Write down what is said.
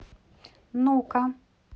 ну ка